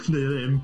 Neu ddim.